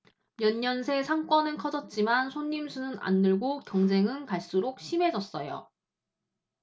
몇 년 새 상권은 커졌지만 손님 수는 안 늘고 경쟁은 갈수록 심해졌어요